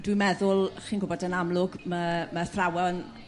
Dwi meddwl chi'n gw'bod yn amlwg ma' ma' athrawon